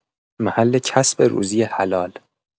محل کسب روزی حلال